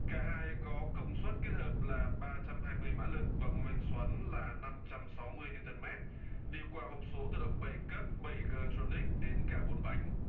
cả hai có công suất kết hợp là ba trăm hai mươi mã lực và mô men xoắn là năm trăm sáu mươi niu tơn mét đi qua hộp số tự động bảy cấp bảy gờ trôn níc đến cả bốn bánh